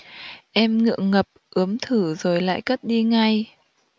em ngượng ngập ướm thử rồi lại cất đi ngay